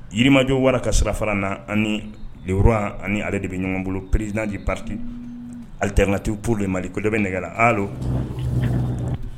Yirimajɔ wara ka sirafa na ani le roi an ni ale de bɛ ɲɔgɔn bolo président du parti allternatif pour le Mali ko dɔ bɛ nɛgɛ la, allo